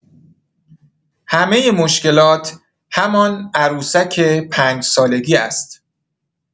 همه مشکلات، همان عروسک پنج‌سالگی است.